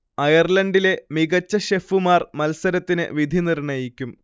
അയർലണ്ടിലെ മികച്ച ഷെഫുമാർ മത്സരത്തിനു വിധി നിർണയിക്കും